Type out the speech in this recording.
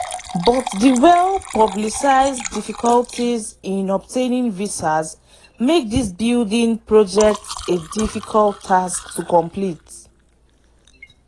But the well publicised difficulties in obtaining visas makes these building projects a difficult task to complete.